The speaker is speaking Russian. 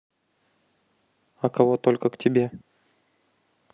а кого только к тебе